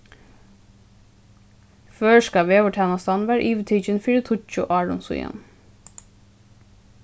føroyska veðurtænastan varð yvirtikin fyri tíggju árum síðan